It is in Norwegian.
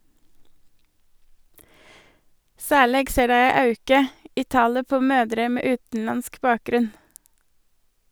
Særleg ser dei ei auke i talet på mødrer med utanlandsk bakgrunn.